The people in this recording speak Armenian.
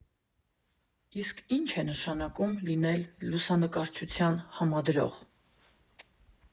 Իսկ ի՞նչ է նշանակում լինել լուսանկարչության համադրող։